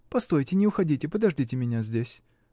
Постойте, не уходите, подождите меня здесь!